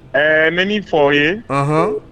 Ɛɛ n bɛ min fɔ aw ye ɔnhɔn